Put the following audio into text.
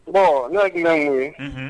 Bon neo tun bɛ mun ye